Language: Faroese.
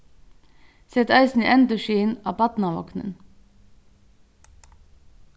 set eisini endurskin á barnavognin